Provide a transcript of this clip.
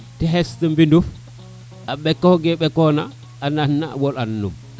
te xes no mbinof a ɓeke ke ɓekona a nana wo nan nun